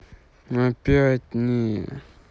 опять не